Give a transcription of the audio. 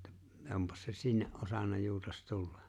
- onpas se sinne osannut juutas tulla